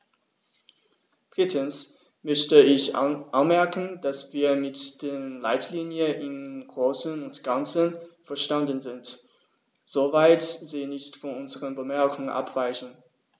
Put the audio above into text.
Drittens möchte ich anmerken, dass wir mit den Leitlinien im großen und ganzen einverstanden sind, soweit sie nicht von unseren Bemerkungen abweichen.